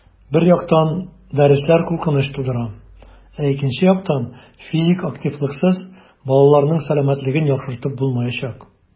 Бер яктан, дәресләр куркыныч тудыра, ә икенче яктан - физик активлыксыз балаларның сәламәтлеген яхшыртып булмаячак.